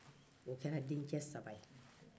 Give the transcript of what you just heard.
o kɛra dence saba